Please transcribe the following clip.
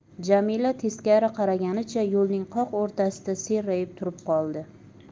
jamila teskari qaraganicha yo'lning qoq o'rtasida serrayib turib qoldi